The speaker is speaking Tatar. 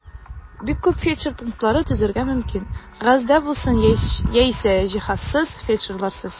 Бик күп фельдшер пунктлары төзергә мөмкин (кәгазьдә булсын яисә җиһазсыз, фельдшерларсыз).